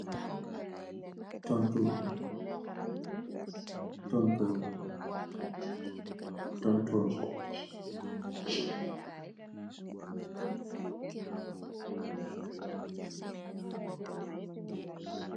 Tontoor, tontoor, tontoor